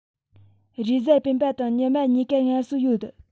རེས གཟའ སྤེན པ དང ཉི མ གཉིས ཀར ངལ གསོ ཡོད